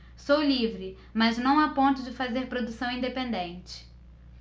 sou livre mas não a ponto de fazer produção independente